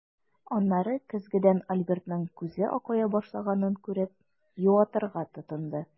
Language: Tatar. Аннары көзгедән Альбертның күзе акая башлаганын күреп, юатырга тотынды.